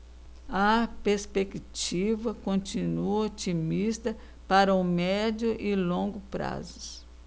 a perspectiva continua otimista para o médio e longo prazos